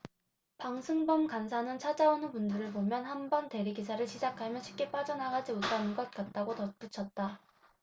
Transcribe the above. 방승범 간사는 찾아오는 분들을 보면 한 번 대리기사를 시작하면 쉽게 빠져나가지 못하는 것 같다고 덧붙였다